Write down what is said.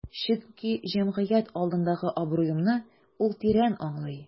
Чөнки җәмгыять алдындагы абруемны ул тирән аңлый.